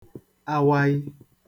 awaị